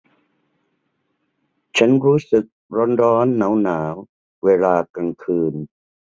ฉันรู้สึกร้อนร้อนหนาวหนาวเวลากลางคืน